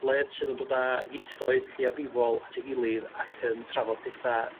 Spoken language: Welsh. cynhadledd sydd yn dod â ieithoedd lleiafrifol at ei gilydd ac yn trafod petha